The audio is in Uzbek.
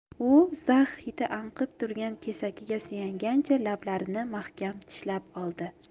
u zax hidi anqib turgan kesakiga suyangancha lablarini mahkam tishlab oldi